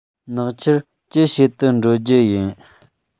ནག ཆུར ཅི བྱེད དུ འགྲོ རྒྱུ ཡིན